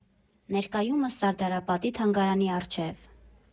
Ներկայումս՝ Սարդարապատի թանգարանի առջև։